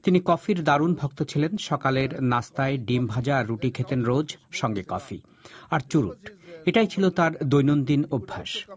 তিনি কফির দারুণ ভক্ত ছিলেন সকালের নাস্তায় ডিম ভাজা আর রুটি খেতেন রোজ সঙ্গে কফি আর চুরুট এটাই ছিল তার দৈনন্দিন অভ্যাস